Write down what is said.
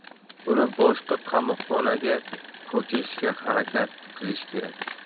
uni boshqa qamoqxonaga ko'chirishga harakat qilish kerak